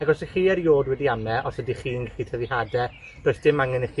Ag os 'ych chi eriod wedi amme os ydych chi'n gellu tyfu hade, does dim angen i chi